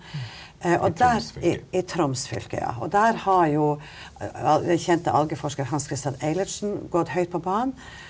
og der i i Troms fylke ja og der har jo den kjente algeforsker Hans Kristian Eilertsen gått høyt på banen.